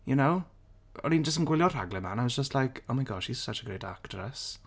You know? O'n i'n jyst yn gwylio'r rhaglen 'ma and I was just like "oh my god she's such a great actress".